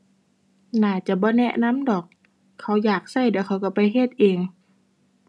น่าจะบ่แนะนำดอก เขาอยากใช้เดี๋ยวเขาใช้ไปเฮ็ดเอง